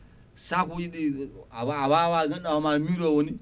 sahuji ɗi a wawa ganduɗa hoore ma juulowo ni